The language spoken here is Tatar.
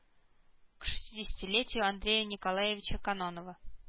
К шестидесятилетию андрея николаевича кононова